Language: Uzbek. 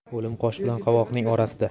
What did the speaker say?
o'lim qosh bilan qovoqning orasida